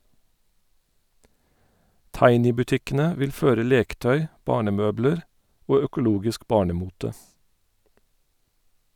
Tiny-butikkene vil føre leketøy, barnemøbler og økologisk barnemote.